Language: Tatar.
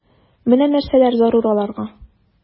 Менә нәрсәләр зарур аларга...